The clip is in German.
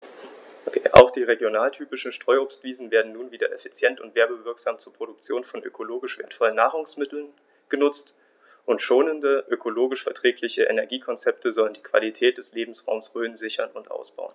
Auch die regionaltypischen Streuobstwiesen werden nun wieder effizient und werbewirksam zur Produktion von ökologisch wertvollen Nahrungsmitteln genutzt, und schonende, ökologisch verträgliche Energiekonzepte sollen die Qualität des Lebensraumes Rhön sichern und ausbauen.